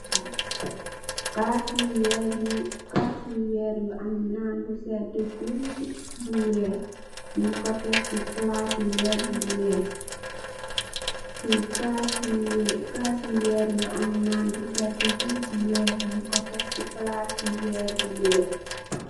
Kaasi weer yu am naan bu seed guyy, bu weeh nyungko tek si palaati weer bu weeh.